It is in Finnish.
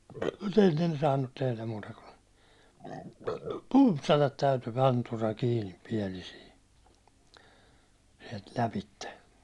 mutta ennen ei ne saanut tehdä muuta kuin pumpsata täytyy antura kiinni pielisiin sieltä lävitse